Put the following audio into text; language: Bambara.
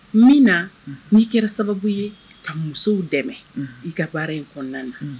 Min na n'i kɛra sababu ye ka musow dɛmɛ, unhun, i ka baara in kɔnɔna na